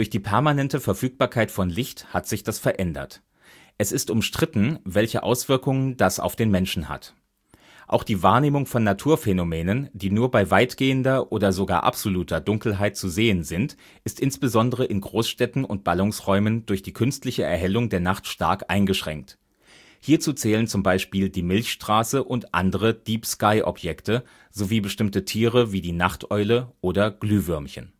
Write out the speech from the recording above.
die permanente Verfügbarkeit von Licht hat sich das verändert. Es ist umstritten, welche Auswirkungen das auf den Menschen hat. Auch die Wahrnehmung von Naturphänomenen, die nur bei weitgehender oder sogar absoluter Dunkelheit zu sehen sind, ist insbesondere in Großstädten und Ballungsräumen durch die künstliche Erhellung der Nacht stark eingeschränkt. Hierzu zählen zum Beispiel die Milchstraße und andere Deep-Sky-Objekte sowie bestimmte Tiere wie die Nachteule oder Glühwürmchen